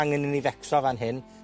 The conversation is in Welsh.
angen i ni fecso fan hyn,